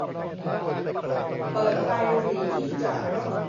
เปิดไฟหรี่ที่จอดรถ